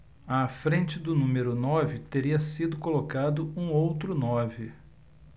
à frente do número nove teria sido colocado um outro nove